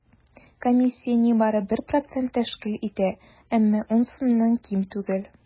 Комиссия нибары 1 процент тәшкил итә, әмма 10 сумнан ким түгел.